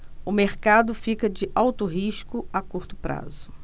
o mercado fica de alto risco a curto prazo